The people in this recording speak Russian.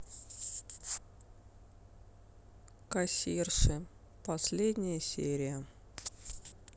кассирши последняя серия